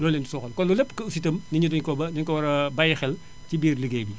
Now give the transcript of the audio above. looloo leen di suuxal kon loolu lépp ko si itam nit ñi dañu koo war a dañu koo war a bàyyi xel ci biir ligéey bi